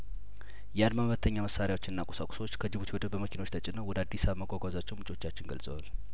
የአድማ መ በተኛ መሳሪያዎችና ቁሳቁሶች ከጂቡቲ ወደብ በመኪኖች ተጭነው ወደ አዲስ አባ መጓጓዛቸውን ምንጮቻችን ገልጸዋል